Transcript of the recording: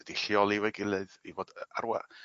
wedi lleoli efo'i gilydd i fod ar wa-